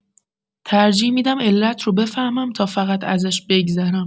ترجیح می‌دم علت رو بفهمم تا فقط ازش بگذرم